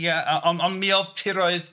Ia a... ond ond mi oedd tiroedd...